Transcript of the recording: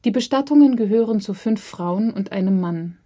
Bestattungen gehören zu fünf Frauen und einem Mann